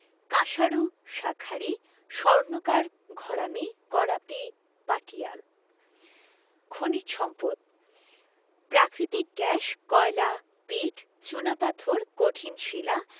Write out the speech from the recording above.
কাঁসারু শাঁখারি স্বর্ণকার ঘরামি করাতি পাটিয়াল খনিজ সম্পদঃ প্রাকৃতিক গ্যাস কয়লা পিট চুনাপাথর কঠিন শিলা